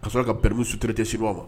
Ka sɔrɔ karɛ sutirite te s ma